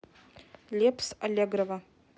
лепс и аллегрова